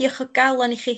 Diolch o galon i chi...